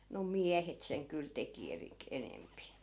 no miehet sen kyllä teki - enempi